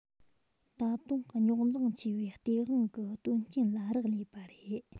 དུ དུང རྙོག འཛིང ཆེ བའི སྟེས དབང གི དོན རྐྱེན ལ རག ལས པ རེད